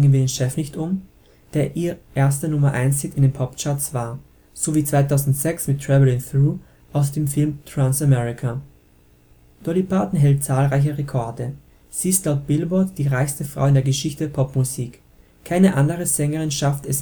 den Chef nicht um?, der ihr erster Nummer-1-Hit in den Pop-Charts war, sowie 2006 mit Travelin’ Thru aus dem Film Transamerica. Dolly Parton hält zahlreiche Rekorde. Sie ist laut Billboard die reichste Frau in der Geschichte der Popmusik. Keine andere Sängerin schaffte